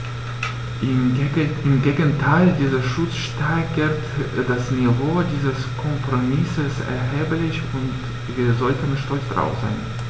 Im Gegenteil: Dieser Schutz steigert das Niveau dieses Kompromisses erheblich, und wir sollten stolz darauf sein.